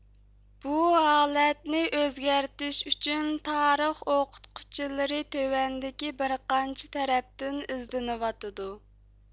بۇ ھالەتنى ئۆزگەرتىش ئۈچۈن تارىخ ئوقۇتقۇچىلىرى تۆۋەندىكى بىر قانچە تەرەپتىن ئىزدىنىۋاتىدۇ